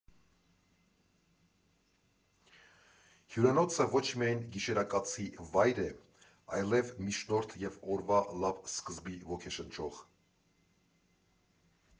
Հյուրանոցը ոչ միայն գիշերակացի վայր է, այլև միջնորդ և օրվա լավ սկզբի ոգեշնչող։